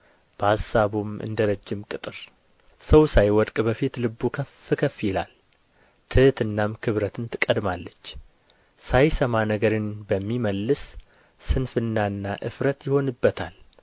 በአሳቡም እንደ ረጅም ቅጥር ሰው ሳይወድቅ በፊት ልቡ ከፍ ከፍ ይላል ትሕትናም ክብረትን ትቀድማለች ሳይሰማ ነገርን በሚመልስ ስንፍናና እፍረት ይሆንበታል